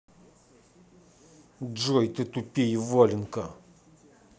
джой ты тупее валенка